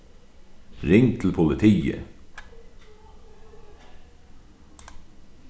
ring til politiið